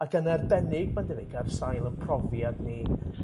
ac yn arbennig ma'n debyg ar sail 'yn profiad ni